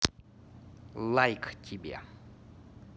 лайк тебе